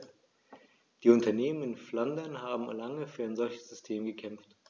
Die Unternehmen in Flandern haben lange für ein solches System gekämpft.